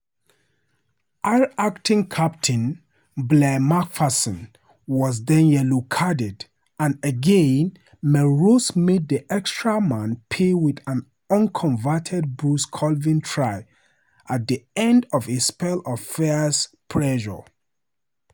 Ayr acting captain Blair Macpherson was then yellow-carded, and again, Melrose made the extra man pay with an unconverted Bruce Colvine try, at the end of a spell of fierce pressure.